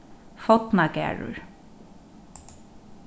fornagarður